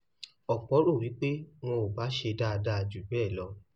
Ọ̀pọ̀ rò wí pé wọn ò bá ṣe dáadáa jù bẹ́ẹ̀ lọ.